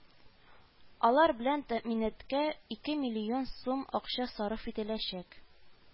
Алар белән тәэминатка ике миллион сум акча сарыф ителәчәк